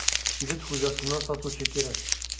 Кибет хуҗасына сатучы кирәк.